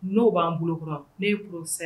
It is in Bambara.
N'o b'an bolokura ne psa